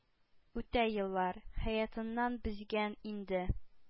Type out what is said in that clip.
Үтә еллар... Хәятыннан бизгән инде..